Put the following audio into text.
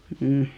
mm